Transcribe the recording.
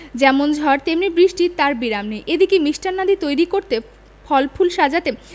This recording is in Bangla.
যেমন ঝড় তেমনি বৃষ্টি তার আর বিরাম নেই এদিকে মিষ্টান্নাদি তৈরি করতে ফল ফুল সাজাতে